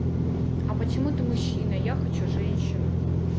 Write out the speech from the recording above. а почему ты мужчина я хочу женщину